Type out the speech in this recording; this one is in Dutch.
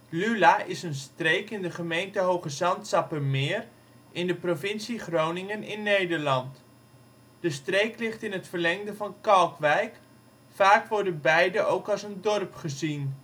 Lula is een streek in de gemeente Hoogezand-Sappemeer in de provincie Groningen in Nederland. De streek ligt in het verlengde van Kalkwijk, vaak worden beiden ook als een dorp gezien